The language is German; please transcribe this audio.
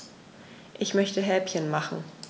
Ich möchte Häppchen machen.